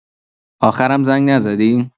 آخرم زنگ نزدی؟